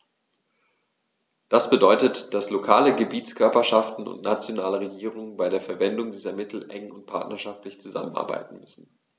Das bedeutet, dass lokale Gebietskörperschaften und nationale Regierungen bei der Verwendung dieser Mittel eng und partnerschaftlich zusammenarbeiten müssen.